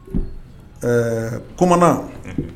Ɛɛ koman